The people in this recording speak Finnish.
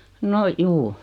no juu